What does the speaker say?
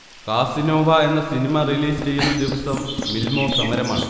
Casanova എന്ന cinema release ചെയ്യുന്ന ദിവസം മില്മാേ സമരമാണ്